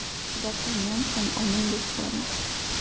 Д’Артаньян һәм аның дуслары.